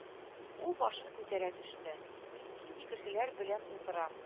Ул башын күтәрә төште: «Мин нинди кешеләр белән утырам